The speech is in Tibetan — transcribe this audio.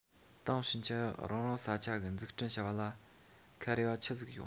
དེང ཕྱིན ཆད རང རང ས ཆ གི འཛུགས སྐྲུན བྱ བ ལ ཁ རེ བ ཆི ཟིག ཡོད